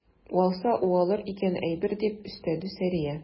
Уалса уалыр икән әйбер, - дип өстәде Сәрия.